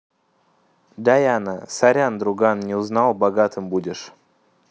diana сорян друган не узнал богатым будешь